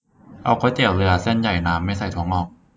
เอาก๋วยเตี๋ยวเรือเส้นใหญ่น้ำไม่ใส่ถั่วงอก